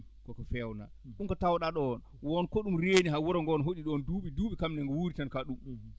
koko feewna ɗum ko tawɗaa ɗon wonko ɗum reeni haa wuro ngoo ne hoɗi ɗoon duuɓi duuɓi kamɓe ngo wuuri tan ka ɗum